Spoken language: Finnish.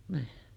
niin